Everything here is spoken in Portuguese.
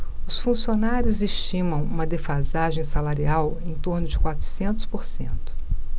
os funcionários estimam uma defasagem salarial em torno de quatrocentos por cento